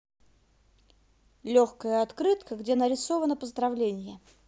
легкая открытка где нарисовано поздравление